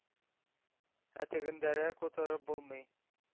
Ә тегендәрәк утырып булмый.